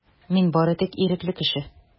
Мин бары тик ирекле кеше.